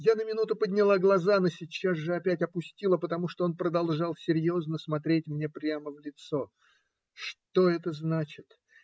Я на минуту подняла глаза, но сейчас же опять опустила, потому что он продолжал серьезно смотреть мне прямо в лицо. Что это значит?